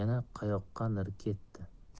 yana qayoqqadir ketdi